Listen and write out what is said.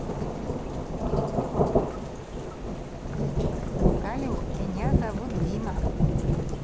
салют меня зовут дима